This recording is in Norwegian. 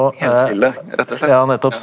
rett og slett ja.